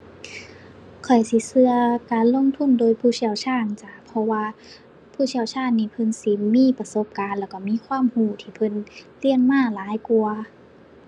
ข้อยสิเชื่อการลงทุนโดยผู้เชี่ยวชาญจ้า เพราะว่าผู้เชี่ยวชาญนี้เพิ่นสิมีประสบการณ์ แล้วเชื่อมีความเชื่อที่เพิ่นเรียนมาหลายกว่า